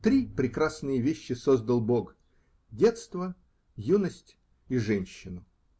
Три прекрасные вещи создал Бог: детство, юность и женщину.